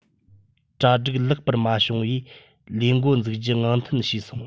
གྲ སྒྲིག ལེགས པར མ བྱུང བས ལས འགོ འཛུགས རྒྱུ ངང འཐེན བྱས སོང